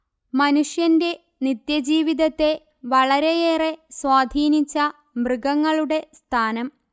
മനുഷ്യന്റെ നിത്യജീവിതത്തെ വളരെയേറെ സ്വാധീനിച്ച മൃഗങ്ങളുടെ സ്ഥാനം